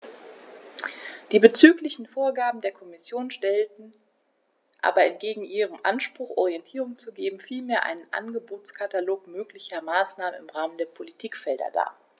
Die diesbezüglichen Vorgaben der Kommission stellen aber entgegen ihrem Anspruch, Orientierung zu geben, vielmehr einen Angebotskatalog möglicher Maßnahmen im Rahmen der Politikfelder dar.